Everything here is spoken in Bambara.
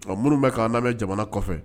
Ɔ minnu bɛ k'a lamɛn jamana kɔfɛ